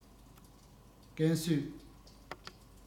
ཀན སུའུ